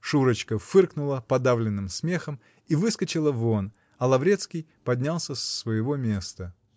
Шурочка фыркнула подавленным смехом и выскочила вон, а Лаврецкий поднялся с своего места.